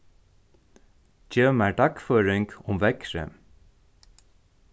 gev mær dagføring um veðrið